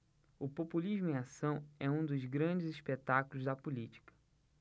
o populismo em ação é um dos grandes espetáculos da política